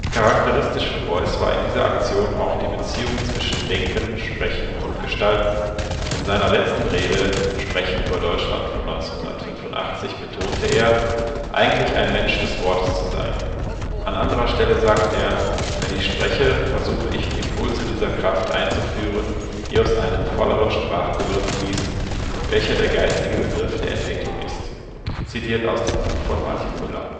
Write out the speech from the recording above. Charakteristisch für Beuys war in dieser Aktion auch die Beziehung zwischen Denken, Sprechen und Gestalten: In seiner letzten Rede Sprechen über Deutschland (1985) betonte er, eigentlich ein Mensch des Wortes zu sein. An anderer Stelle sagt er: „ Wenn ich spreche (…), versuche ich die Impulse dieser Kraft einzuführen, die aus einem volleren Sprachbegriff fließen, welcher der geistige Begriff der Entwicklung ist. “(zitiert aus dem Buch von Martin Müller